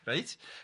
Reit?